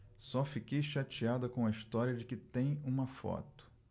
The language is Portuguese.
só fiquei chateada com a história de que tem uma foto